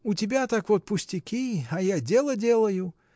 у тебя так вот пустяки, а я дело делаю.